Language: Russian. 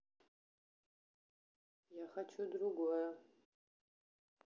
я хочу другое